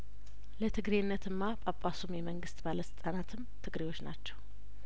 ለትግሬነት ማ ጳጳሱም የመንግስት ባለስልጣናትም ትግሬዎች ናቸው